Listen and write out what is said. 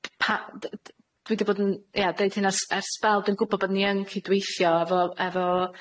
d- pa- d- d- dwi 'di bod 'n, ia, deud hyn ers ers sbel. Dwi'n gwbo bod ni yn cydweithio efo efo